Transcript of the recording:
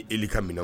'li ka minɛ